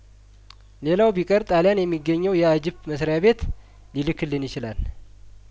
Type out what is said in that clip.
ሌላው ቢቀር ጣልያን የሚገኘው የአጂፕ ዋና መስሪያቤት ሊልክልን ይችላል